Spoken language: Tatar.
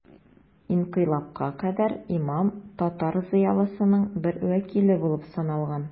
Инкыйлабка кадәр имам татар зыялысының бер вәкиле булып саналган.